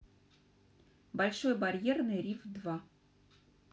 большой барьерный риф два